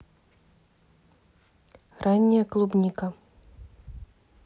ранняя клубника